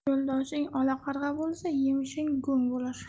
yo'ldoshing olaqarg'a bo'lsa yemishing go'ng bo'lar